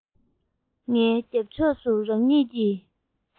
ངའི རྒྱབ ཕྱོགས སུ རང ཉིད ཀྱི